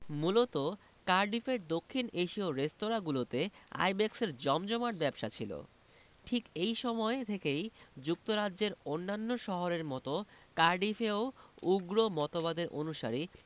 মূলত কার্ডিফের দক্ষিণ এশীয় রেস্তোরাঁগুলোতে আইব্যাকসের জমজমাট ব্যবসা ছিল ঠিক এই সময় থেকেই যুক্তরাজ্যের অন্যান্য শহরের মতো কার্ডিফেও উগ্র মতবাদের অনুসারী